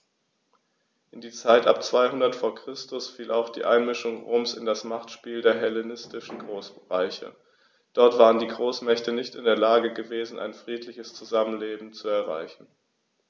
In die Zeit ab 200 v. Chr. fiel auch die Einmischung Roms in das Machtspiel der hellenistischen Großreiche: Dort waren die Großmächte nicht in der Lage gewesen, ein friedliches Zusammenleben zu erreichen.